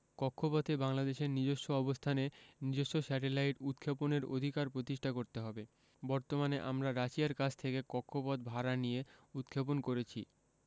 কক্ষপথে বাংলাদেশের নিজস্ব অবস্থানে নিজস্ব স্যাটেলাইট উৎক্ষেপণের অধিকার প্রতিষ্ঠা করতে হবে বর্তমানে আমরা রাশিয়ার কাছ থেকে কক্ষপথ ভাড়া নিয়ে উৎক্ষেপণ করেছি